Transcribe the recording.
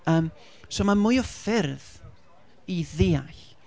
Yym, so ma' mwy o ffyrdd i ddeall.